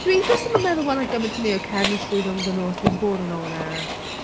Dwi jyst ddim yn meddwl bod 'na gymaint â hynny o chemistry rhyngddyn nhw os dwi'n bod yn onest.